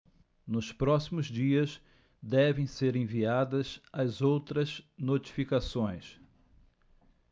nos próximos dias devem ser enviadas as outras notificações